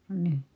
ka niin